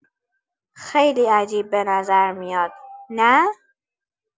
خیلی عجیب به نظر میاد، نه؟